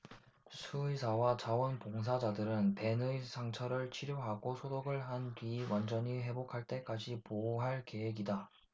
수의사와 자원 봉사자들은 벤의 상처를 치료하고 소독을 한 뒤 완전히 회복할 때까지 보호할 계획이다